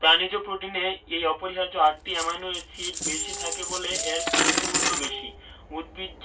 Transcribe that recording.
প্রাণিজ প্রোটিনে এই অপরিহার্য আটটি অ্যামাইনো এসিড বেশি থাকে বলে এর পুষ্টিমূল্য বেশি উদ্ভিজ্জ